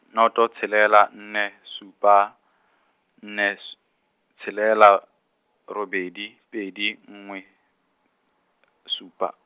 noto tshelela nne, supa nne s- tshelela, robedi pedi nngwe supa.